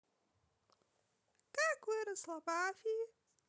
как выросло баффи